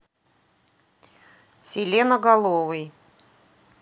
селеноголовый